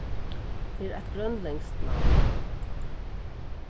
tað er eitt grønlendskt navn